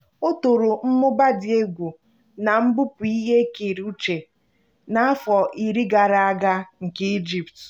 O toro "mmụba dị egwu na mbupụ ihe ekere uche n'afọ iri gara aga" nke Egypt.